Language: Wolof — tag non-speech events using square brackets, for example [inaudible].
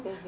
[hesitation] [hesitation]